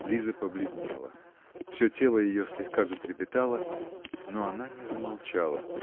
Лиза побледнела; все тело ее слегка затрепетало, но она не замолчала.